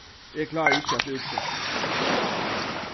eg klári ikki at útseta